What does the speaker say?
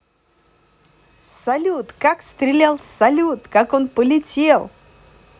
салют как стрелял салют как он полетел